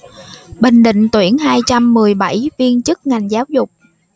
bình định tuyển hai trăm mười bảy viên chức ngành giáo dục